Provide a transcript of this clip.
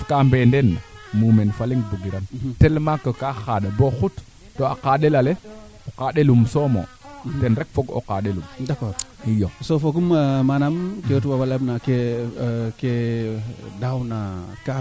axa de yaam fop produit ndiigo a ñaaw fo fasaamb surtout koy ñaaw no teɓake rooga moƴ taku fasaaɓ sax waaga duufin arroser in nda pour fa mbaax fe fa mbaax fa mbax fe no ndiiga xooxel